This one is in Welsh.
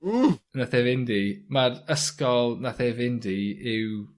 Hmm. ...nath e fynd i ma'r ysgol nath e fynd i yw